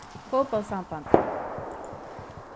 fótbóltssambandið